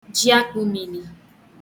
jiakpụ mīnī